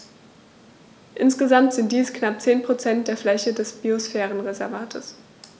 Insgesamt sind dies knapp 10 % der Fläche des Biosphärenreservates.